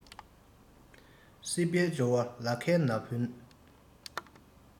སྲིད པའི འབྱོར བ ལ ཁའི ན བུན